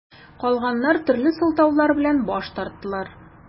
Калганнар төрле сылтаулар белән баш тарттылар.